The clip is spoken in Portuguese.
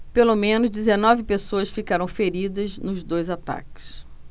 pelo menos dezenove pessoas ficaram feridas nos dois ataques